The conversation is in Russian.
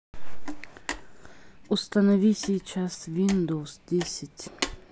установи сейчас виндоус десять